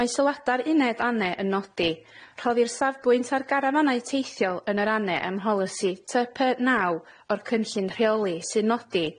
Mae sylwada'r uned AHNE yn nodi rhoddir safbwynt ar garafanau teithiol yn yr AHNE ym mholisi Ty Py y naw o'r cynllun rheoli sy'n nodi